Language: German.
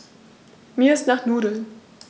Mir ist nach Nudeln.